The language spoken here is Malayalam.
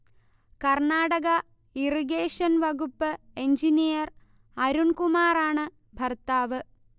കർണാടക ഇറിഗേഷൻ വകുപ്പ് എൻജിനീയർ അരുൺകുമാറാണ് ഭർത്താവ്